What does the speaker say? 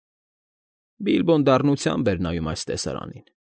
Բիլբոն դառնությամբ էր նայում այս տեսարանին։